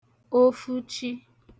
ofuchi